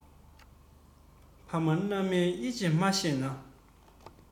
ཕ མ མནའ མའི དབྱེ འབྱེད མ ཤེས ན